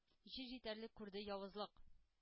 Җир җитәрлек күрде «явызлык».